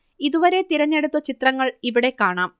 ഇതുവരെ തിരഞ്ഞെടുത്ത ചിത്രങ്ങൾ ഇവിടെ കാണാം